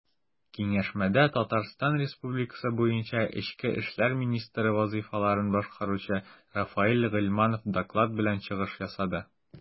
Киңәшмәдә ТР буенча эчке эшләр министры вазыйфаларын башкаручы Рафаэль Гыйльманов доклад белән чыгыш ясады.